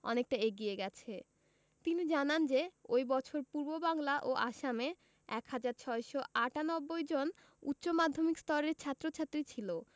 অনেকটা এগিয়ে গেছে তিনি জানান যে ওই বছর পূর্ববাংলা ও আসামে ১ হাজার ৬৯৮ জন উচ্চ মাধ্যমিক স্তরের ছাত্র ছাত্রী ছিল